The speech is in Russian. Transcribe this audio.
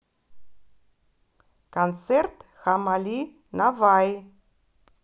концерт хамали наваи